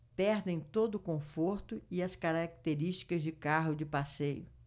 perdem todo o conforto e as características de carro de passeio